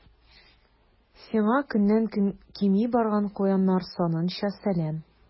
Сиңа көннән-көн кими барган куяннар санынча сәлам.